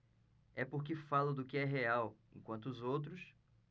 é porque falo do que é real enquanto os outros